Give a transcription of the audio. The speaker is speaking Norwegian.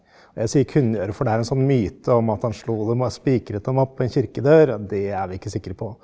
og jeg sier kunngjøre, for det er en sånn myte om at han slo dem og spikret dem opp på en kirkedør, og det er vi ikke sikre på.